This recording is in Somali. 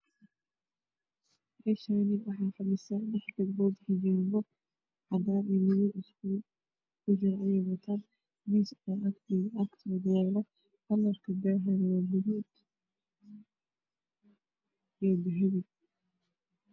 Meshan waxa fahiyo lix gabdhod xijaabo cadaan iyo madow iskugu jiro ayey watan miis aya aktoda yalo kalarka daahana waa gadud iyo dahabi